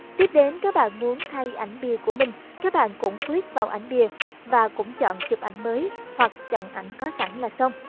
tiếp đến các bạn muốn thay ảnh bìa của mình các bạn cũng click vào ảnh bìa và cũng chọn chụp ảnh mới hoặc chọn ảnh có sẵn là xong